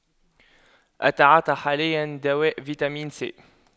أتعاطى حاليا دواء فيتامين سي